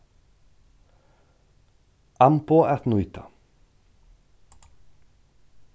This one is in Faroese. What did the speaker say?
amboð at nýta